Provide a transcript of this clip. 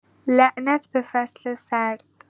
لعنت به فصل سرد